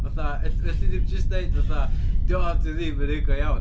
Fatha ell- elli di'm jyst dweud fatha dydi o ddim yn un go iawn.